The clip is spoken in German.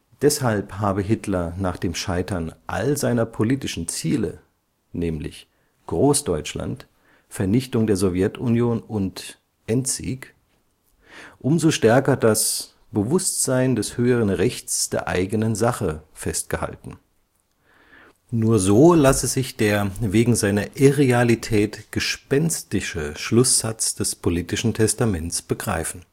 Deshalb habe Hitler nach dem Scheitern all seiner politischen Ziele (Großdeutschland, Vernichtung der Sowjetunion und „ Endsieg “) umso stärker das „ Bewusstsein des höheren Rechts der eigenen Sache “festgehalten. Nur so lasse sich der wegen seiner Irrealität „ gespenstische “Schlusssatz des politischen Testaments begreifen